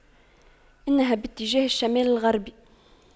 إنها باتجاه الشمال الغربي